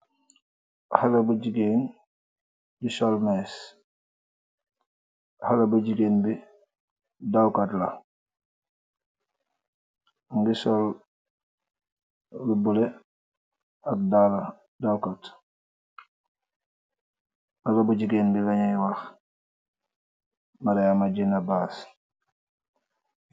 Xale bu jigéen ju solmees xale bu jigéen bi dawkat la mungi sol lu bole ak daala dawkat xale bu jigéen bi lañuy wac mariama jina baas.